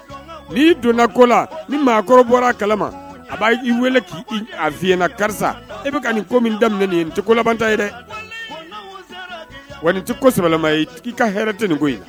Ni donna ko la ni maakɔrɔ bɔra a kala a b' i weele k' ayna karisa i bɛ nin ko daminɛ tɛ kolabanta ye dɛ wa tɛsɛbɛ k'i ka hɛrɛ tɛ nin ko